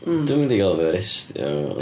Dwi'n mynd i gal fy aresdio fan yma...